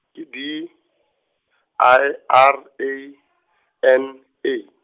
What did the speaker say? ke D, I R A , N A.